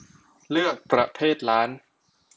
เลือกประเภทร้าน